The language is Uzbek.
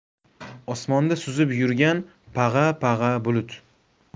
osmonda suzib yurgan pag'a pag'a bulut